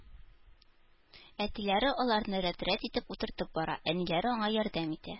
Әтиләре аларны рәт-рәт итеп утыртып бара, әниләре аңа ярдәм итә